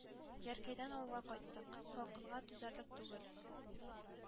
Яркәйдән авылга кайттык. Салкынга түзәрлек түгел.